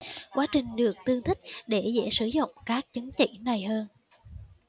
quá trình được tương thích để dễ sử dụng các chứng chỉ này hơn